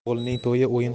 o'g'ilning to'yi o'yin